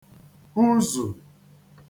huzù